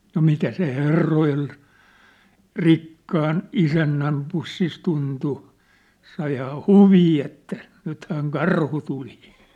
no mitä se herrojen rikkaan isännän pussissa tuntui saihan huvia että nythän karhu tuli